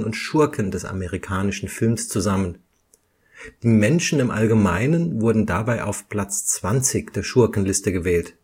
Schurken des amerikanischen Films) zusammen; die Menschen im Allgemeinen wurden dabei auf Platz 20 der „ Schurkenliste “gewählt